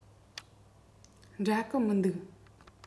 འདྲ གི མི འདུག